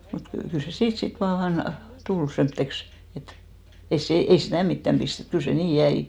mutta - kyllä se siitä sitten vain tuli semmoiseksi että ei se ei sitä mitään pistetty kyllä se niin jäi